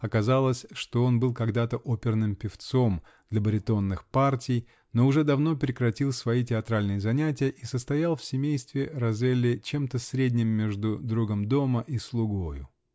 Оказалось, что он был когда-то оперным певцом, для баритонных партий, но уже давно прекратил свои театральные занятия и состоял в семействе Розелли чем-то средним между другом дома и слугою.